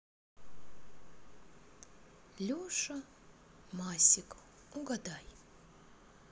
леша масик угадай